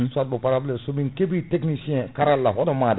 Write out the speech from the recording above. soit bo pa somin keɓi technicien karalla honomaɗa